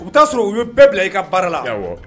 U bɛ ta sɔrɔ u ye bɛɛ bila i ka baara la. Awɔ.